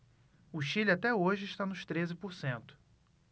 o chile até hoje está nos treze por cento